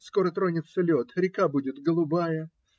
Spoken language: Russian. Скоро тронется лед, река будет голубая.